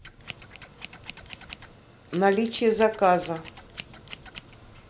наличие заказа